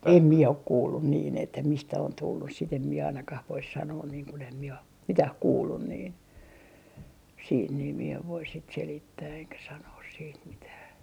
en minä ole kuullut niin että mistä on tullut sitten en minä ainakaan voisi sanoa niin kun en minä ole mitään kuullut niin sitten niin minä en voi sitten selittää enkä sanoa sitten mitään